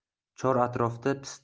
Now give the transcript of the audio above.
chor atrofda pista